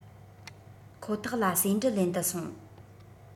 ཁོ ཐག ལ ཟེའུ འབྲུ ལེན དུ སོང